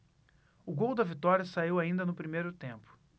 o gol da vitória saiu ainda no primeiro tempo